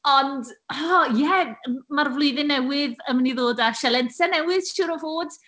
Ond, o ie... mae'r flwyddyn newydd yn mynd i ddod â sialensau newydd siŵr o fod.